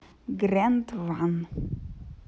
grand ван